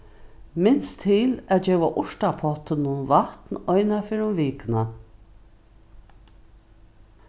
minst til at geva urtapottinum vatn einaferð um vikuna